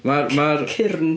Mae'r.... mae'r... Cyrn.